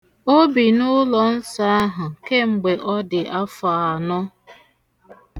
O bi n'ụlọ nsọ ahụ kemgbe ọ dị afọ anọ.